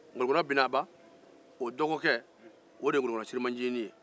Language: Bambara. ŋolokunna binaba dɔgɔke ye ŋolokunna seriman ncinin ye